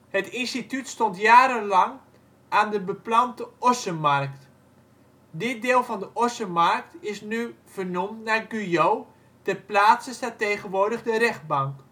Het instituut stond jarenlang aan de beplante Ossenmarkt. Dit deel van de Ossenmarkt is nu vernoemd naar Guyot, ter plaatse staat tegenwoordig de rechtbank